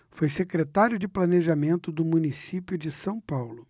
foi secretário de planejamento do município de são paulo